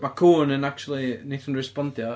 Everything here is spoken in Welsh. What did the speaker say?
Mae cŵn yn acshyli- wneith nhw respondio.